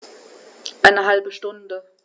Eine halbe Stunde